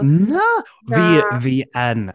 Na? Fi... fi yn!